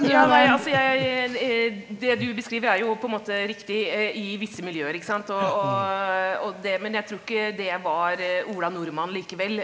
ja nei altså jeg det du beskriver er jo på en måte riktig i visse miljøer ikke sant, og og og det men jeg tror ikke det var Ola Nordmann likevel.